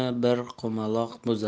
bir qumaloq buzar